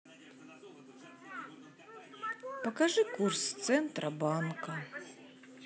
покажи курс центробанка